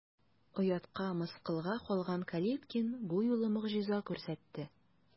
Оятка, мыскылга калган Калиткин бу юлы могҗиза күрсәтте.